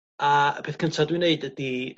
a y peth cynta dwi'n neud ydi